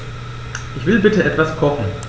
Ich will bitte etwas kochen.